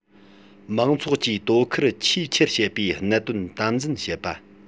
མང ཚོགས ཀྱིས དོ ཁུར ཆེས ཆེར བྱེད པའི གནད དོན དམ འཛིན བྱེད པ